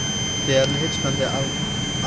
shu bois deyarli hech qanday